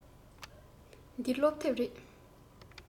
འདི སློབ དེབ རེད